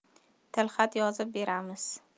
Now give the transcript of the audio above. tilxat yozib beramiz